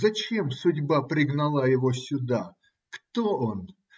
Зачем судьба пригнала его сюда? Кто он?